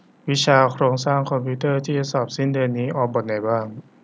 วิชาโครงสร้างคอมพิวเตอร์ที่จะสอบตอนสิ้นเดือนนี้ออกบทไหนบ้าง